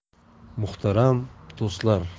muhtaram do'stlar